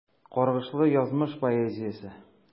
Каргышлы язмыш поэзиясе.